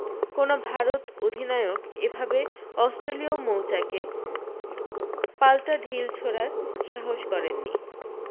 কোনও ভারত অধিনায়ক এ ভাবে অস্ট্রেলীয় মৌচাকে পাল্টা ঢিল ছোঁড়ার সাহস করেননি